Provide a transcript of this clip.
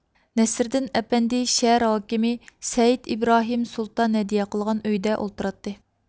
نەسرىدىن ئەپەندى شەھەر ھاكىمى سەئىد ئىبراھىم سۇلتان ھەدىيە قىلغان ئۆيدە ئولتۇراتتى